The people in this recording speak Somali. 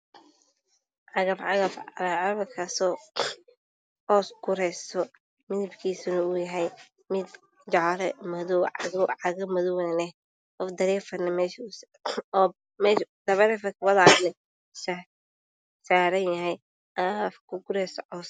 Waa banaan waxaa ii muuqda cagaf midabkeedi guri ay egtahay